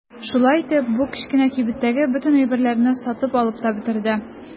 Шулай итеп бу кечкенә кибеттәге бөтен әйберне сатып алып та бетерде.